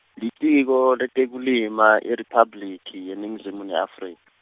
Litiko leTekulima IRiphabliki yeNingizimu ne Afrika.